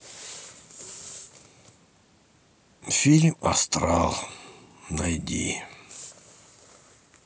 фильм астрал найди